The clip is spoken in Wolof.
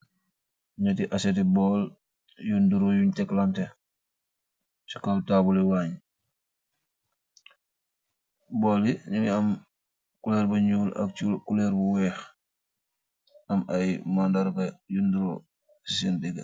ñati seti bool yu nduru, yuñ tekklanteh ci kaw taabuli waañ, bool yi ñuy am kuleer ba ñuul, ak kuleer bu weex, am ay màndarga yu nduro seen digga.